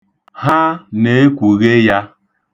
Ha na-ekwughe ya.